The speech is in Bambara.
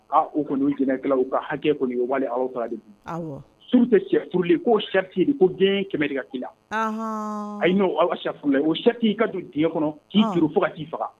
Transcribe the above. Aa u kɔni u ka hakɛ kɔni aw bi su tɛ furu ko sɛti de ko den kɛmɛ ka kila ayi n'o ala sa fanga o sɛ'i ka don d kɔnɔ k'i juruuru fo ka t'i faga